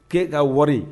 K ka wari